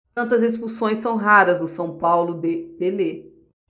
tantas expulsões são raras no são paulo de telê